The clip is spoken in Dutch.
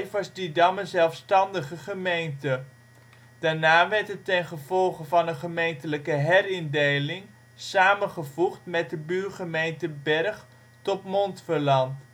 was Didam een zelfstandige gemeente, daarna werd het ten gevolge van een gemeentelijke herindeling samengevoegd met de buurgemeente Bergh tot Montferland